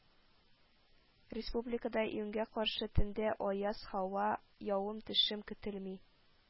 Республикада июньгә каршы төндә аяз һава, явым-төшем көтелми